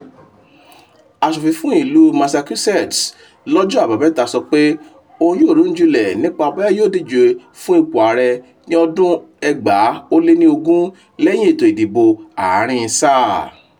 Aṣòfin fún ìlú Massachusetts, lọ́jọ́ Àbámẹ́ta sọ pé òun yóò ronú jinlẹ̀ nípa bóyá yóò díje fún ipò ààrẹ ní ọdún 2020 lẹ́yìn ètò ìdìbò àárín sáà.